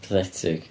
Pathetic.